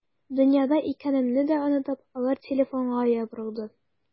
Дөньяда икәнемне дә онытып, алар телефонга ябырылды.